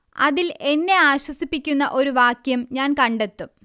അതിൽ എന്നെ ആശ്വസിപ്പിക്കുന്ന ഒരു വാക്യം ഞാൻ കണ്ടെത്തും